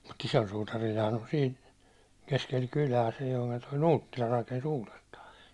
mutta isolla suutarillahan on siinä keskellä kylää silloin kun tuo Nuuttila rakensi uudestaan